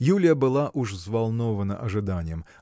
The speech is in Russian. Юлия была уж взволнована ожиданием.